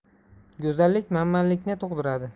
go'zallik manmanlikni tug'diradi